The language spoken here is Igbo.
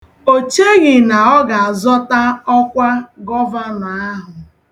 O cheghị na ọ ga-azọta ọkwa gọvanọ ahụ.